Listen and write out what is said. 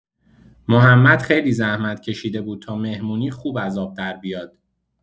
محمد خیلی زحمت‌کشیده بود تا مهمونی خوب از آب دربیاد.